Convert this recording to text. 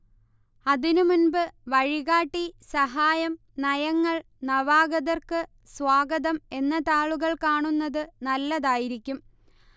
അതിനുമുൻപ് വഴികാട്ടി, സഹായം, നയങ്ങൾ, നവാഗതർക്ക് സ്വാഗതം എന്ന താളുകൾ കാണുന്നത് നല്ലതായിരിക്കും